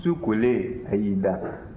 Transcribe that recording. su kolen a y'i da